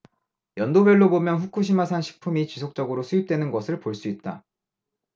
연도별로 보면 후쿠시마산 식품이 지속적으로 수입되는 것을 볼 수 있다